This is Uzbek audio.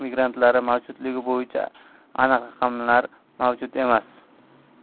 migrantlari mavjudligi bo'yicha aniq raqamlar mavjud emas